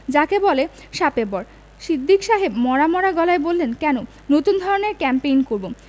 যাকে বলে শাপে বর সিদ্দিক সাহেব মরা মরা গলায় বললেন কেন নতুন ধরনের ক্যাম্পেইন করব